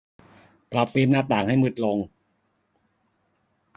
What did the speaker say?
ปรับฟิล์มหน้าต่างให้มืดลง